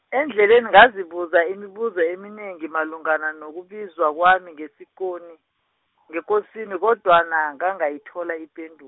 endleleni ngazibuza imibuzo eminengi malungana nokubizwa kwami ngesikoni-, ngekosini, kodwana ngangayithola ipendu-.